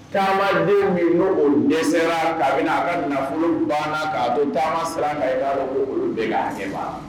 Taamaden min ni olu dɛsɛra, ka bɛn na ka nafolo banna ka to taama siran kan i ka dɔn olu de hakɛba